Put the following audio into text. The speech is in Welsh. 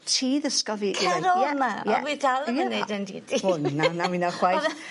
ti ddysgodd fi... Cer o 'ma. O fi dal ddim yn neud e'n didi. O na na minna chwaith. O'dd y...